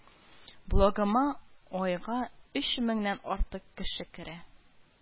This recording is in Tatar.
Блогыма айга өч меңнән артык кеше керә